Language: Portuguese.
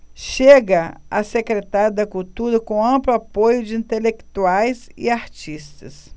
chega a secretário da cultura com amplo apoio de intelectuais e artistas